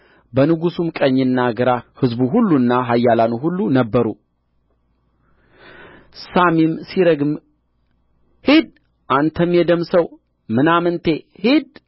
በንጉሡም ቀኝና ግራ ሕዝቡ ሁሉና ኃያላኑ ሁሉ ነበሩ ሳሚም ሲረግም ሂድ አንተ የደም ሰው ምናምንቴ ሂድ